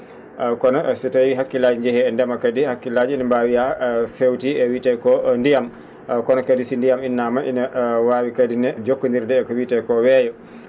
kono so tawii hakkilaaji njehii e ndema kadi hakkilaaji ne mbaawi yah fewti e wiyetee ko ndiyam kono kadi si ndiyam innaama na waawi kadi ne jokkonndirde e ko wiyetee koo weeyo